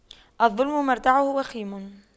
الظلم مرتعه وخيم